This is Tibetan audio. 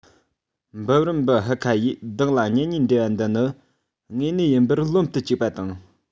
འབུམ རམས པ ཧུ ཁ ཡིས བདག ལ གཉེན ཉེའི འབྲེལ བ འདི ནི དངོས གནས ཡིན པར རློམ དུ བཅུག པ དང